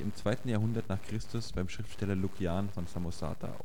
2. Jahrhundert n. Chr. beim Schriftsteller Lukian von Samosata